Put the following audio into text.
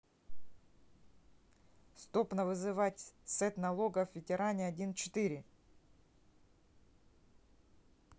стоп на вызывать сет налогов ветеране один четыре